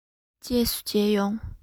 རྗེས སུ མཇལ ཡོང